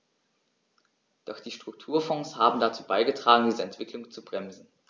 Doch die Strukturfonds haben dazu beigetragen, diese Entwicklung zu bremsen.